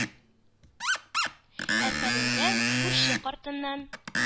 Ә Сәлимгә күрше картыннан